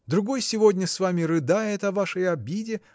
Другой сегодня с вами рыдает о вашей обиде